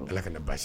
Tila ka na baasi ye